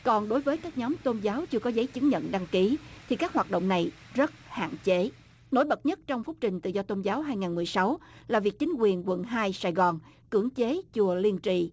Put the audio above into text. còn đối với các nhóm tôn giáo chưa có giấy chứng nhận đăng ký thì các hoạt động này rất hạn chế nổi bật nhất trong phúc trình tự do tôn giáo hai ngàn mười sáu là việc chính quyền quận hai sài gòn cưỡng chế chùa liên trì